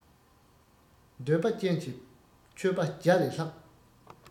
འདོད པ ཅན གྱི ཆོས པ བརྒྱ ལས ལྷག